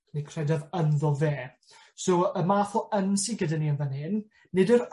ne' credodd ynddo fe. So y math o yn sy gyda ni yn fan hyn nid yr